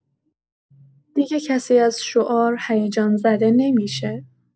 دیگه کسی از شعار هیجان‌زده نمی‌شه.